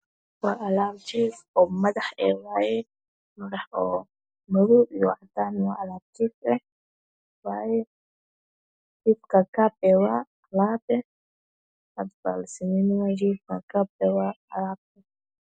Jiifwaye madax ewaye madow iyocadan wa Alabjif ahwaye jif gagab ewaye hadalasameynaya